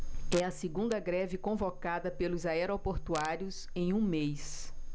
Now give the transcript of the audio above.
é a segunda greve convocada pelos aeroportuários em um mês